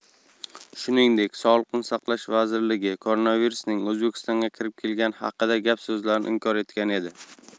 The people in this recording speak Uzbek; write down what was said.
shuningdek sog'liqni saqlash vazirligi koronavirusning o'zbekistonga kirib kelgani haqidagi gap so'zlarni inkor etgan edi